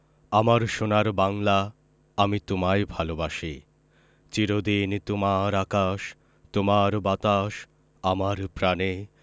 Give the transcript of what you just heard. আমার সোনার বাংলা আমি তোমায় ভালোবাসি চির দিন তোমার আকাশ তোমার বাতাস আমার প্রাণে